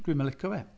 Dwi'm yn licio fe.